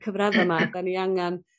cyfradda 'ma 'dan ni angan